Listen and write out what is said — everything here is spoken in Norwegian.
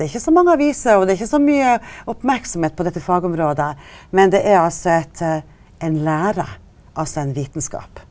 det er ikkje så mange aviser og det er ikkje så mykje merksemd på dette fagområdet, men det er altså eit ei lære altså ein vitskap.